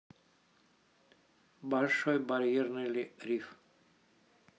большой барьерный риф